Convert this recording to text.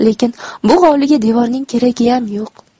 lekin bu hovliga devorning keragiyam yo'q